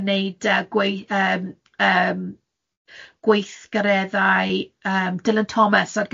yn wneud yy gwe- yym yym gweithgareddau yym Dylan Thomas ar